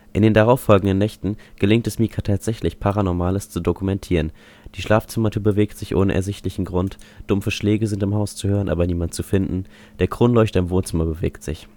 In den darauffolgenden Nächten gelingt es Micah tatsächlich, Paranormales zu dokumentieren. Die Schlafzimmertür bewegt sich ohne ersichtlichen Grund, dumpfe Schläge sind im Haus zu hören, aber niemand zu finden, der Kronleuchter im Wohnzimmer bewegt sich